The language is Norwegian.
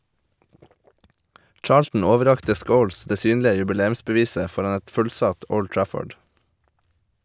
Charlton overrakte Scholes det synlige jubileumsbeviset foran et fullsatt Old Trafford.